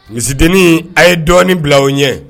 Misidenin , a ye dɔɔnin bila o ye.